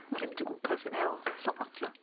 O'n i'n mynd o gwmpas yn hel llofnodion.